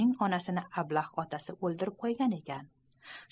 uning onasini ablah otasi o'ldirib qo'ygan ekan